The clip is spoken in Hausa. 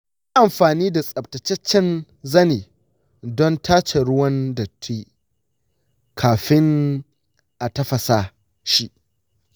yi amfani da tsaftataccen zane don tace ruwan datti kafin a tafasa shi.